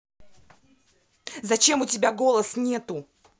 зачем у тебя голос нету